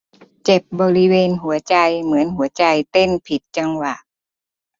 เจ็บบริเวณหัวใจเหมือนหัวใจเต้นผิดจังหวะ